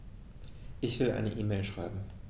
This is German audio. Ich will eine E-Mail schreiben.